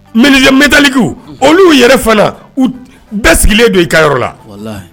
Menuisiers metaliques olu yɛrɛ fana bɛɛ sigilen don i kayɔrɔ la wallahi